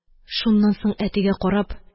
Шуннан соң, әтигә карап